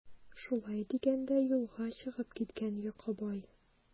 Шулай дигән дә юлга чыгып киткән Йокыбай.